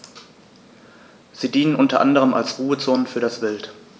Sie dienen unter anderem als Ruhezonen für das Wild.